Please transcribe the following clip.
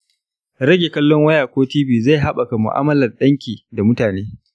rage kallon waya ko tv zai habaka mua'amalar danki da mutane.